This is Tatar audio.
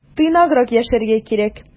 Тыйнаграк яшәргә кирәк.